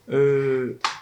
Un